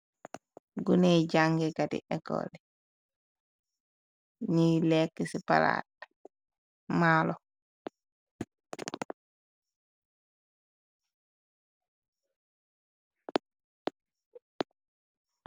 Gunéy jàngekati ecoli ñiy lekk ci palaat maalo.